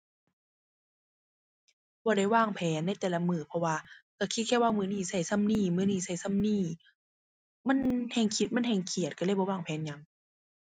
บ่ได้วางแผนในแต่ละมื้อ เพราะว่าก็คิดแค่ว่ามื้อนี้ก็ส่ำนี้ มื้อนี้ก็ส่ำนี้ มันแฮ่งคิด มันแฮ่งเครียด ก็เลยบ่วางแผนหยัง